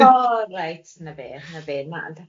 O reit, na fe, na fe, na